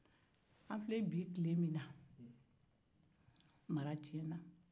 an file bi tile min na mara tiɲɛna